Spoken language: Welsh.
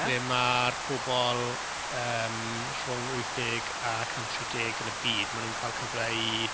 Le ma'r pobl yym rhwng wyth deg a cant tri deg yn y byd, maen nhw'n cael cyfle i...